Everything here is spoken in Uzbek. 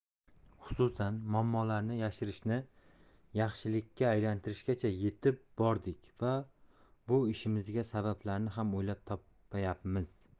xususan muammolarni yashirishni yaxshilikka aylantirishgacha yetib bordik va bu ishimizga sabablarni ham o'ylab topyapmiz